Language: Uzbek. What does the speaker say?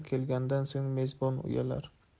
kelgandan so'ng mezbon uyalar